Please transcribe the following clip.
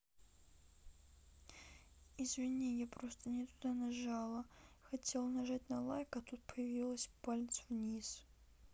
извини я просто не туда нажала я хотела нажать на лайк а тут появилась палец вниз